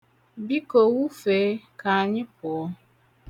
Biko, wụfee ka anyị pụọ.